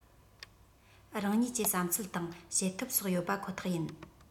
རང ཉིད ཀྱི བསམ ཚུལ དང བྱེད ཐབས སོགས ཡོད པ ཁོ ཐག ཡིན